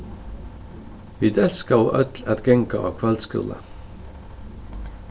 vit elskaðu øll at ganga á kvøldskúla